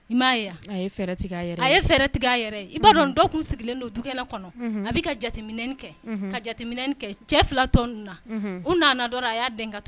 I m'a yan a ye fɛɛrɛtigi yɛrɛ a ye fɛɛrɛtigi a yɛrɛ i b'a dɔn dɔ tun sigilen don dukɛnɛ kɔnɔ a bɛ ka jate kɛ ka jateminɛ kɛ cɛ fila tɔn dun na u nan d a y'a den ka tugun